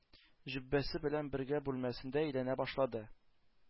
Җөббәсе белән бергә бүлмәсендә әйләнә башлады.